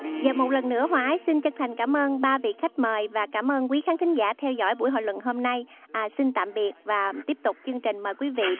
dạ một lần nữa hòa ái xin chân thành cảm ơn ba vị khách mời và cảm ơn quý khán thính giả theo dõi buổi hội luận hôm nay à xin tạm biệt và tiếp tục chương trình mời quý vị